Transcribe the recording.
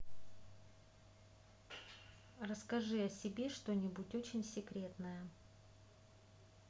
расскажи о себе что нибудь очень секретное